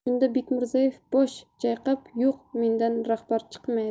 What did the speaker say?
shunda bekmirzaev bosh chayqab yo'q mendan rahbar chiqmaydi